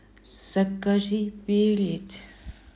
закажи билет